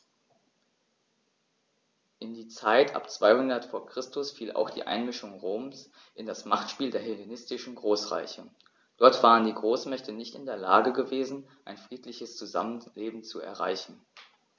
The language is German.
In die Zeit ab 200 v. Chr. fiel auch die Einmischung Roms in das Machtspiel der hellenistischen Großreiche: Dort waren die Großmächte nicht in der Lage gewesen, ein friedliches Zusammenleben zu erreichen.